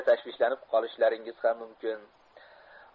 tashvishlanib qoshlaringizni chimirgandirsiz